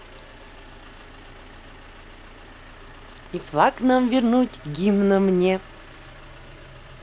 и флаг нам вернуть гимна мне